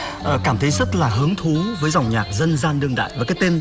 cảm thấy rất là hứng thú với dòng nhạc dân gian đương đại với cái tên